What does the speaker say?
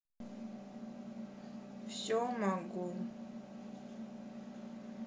все могу